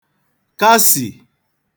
kasì